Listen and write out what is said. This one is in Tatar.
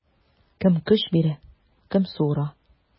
Кем көч бирә, кем суыра.